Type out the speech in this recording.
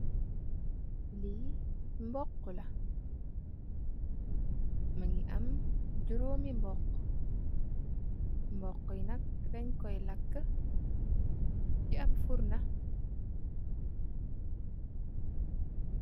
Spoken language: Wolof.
Li mbox la mugii am jurom mbox, mbox yi nak dañ koy làk ci ap firna.